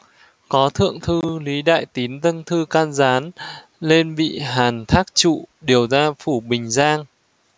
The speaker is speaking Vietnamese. có thượng thư lý đại tín dâng thư can gián nên bị hàn thác trụ điều ra phủ bình giang